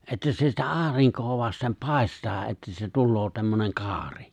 että se sitä aurinkoa vasten paistaa että se tulee tämmöinen kaari